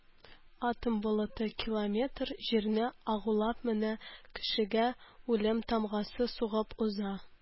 Атом болыты километр җирне агулап мең кешегә үлем тамгасы сугып уза.